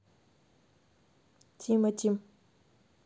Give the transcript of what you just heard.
тимати